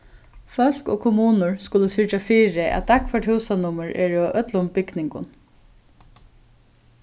fólk og kommunur skulu syrgja fyri at dagførd húsanummur eru á øllum bygningum